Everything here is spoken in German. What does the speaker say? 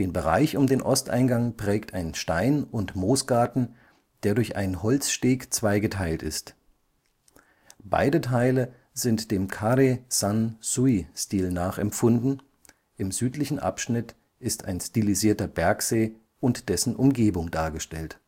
Bereich um den Osteingang prägt ein Stein - und Moosgarten, der durch einen Holzsteg zweigeteilt ist. Beide Teile sind dem Kare-san-sui-Stil nachempfunden. Im südlichen Abschnitt ist ein stilisierter Bergsee und dessen Umgebung dargestellt